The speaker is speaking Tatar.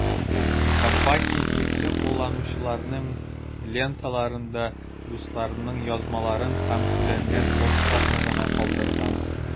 Компания җирле кулланучыларның ленталарында дусларының язмаларын һәм түләнгән постларны гына калдырган.